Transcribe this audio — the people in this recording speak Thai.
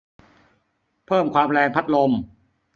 เพิ่มความแรงพัดลม